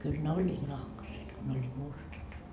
kyllä ne olivat nahkaiset kun ne olivat mustat